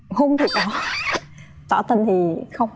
hôn thì có tỏ tình thì không